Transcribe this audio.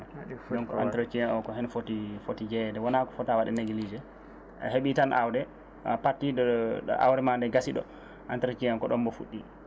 donc entretien o ko heen footi footi jeeyede wona ko foota waɗe néglisé ha heeɓi tan awde à partir de ɗo awre ma ɗo gaasi ɗo entretien o ko ɗon mo fuɗɗi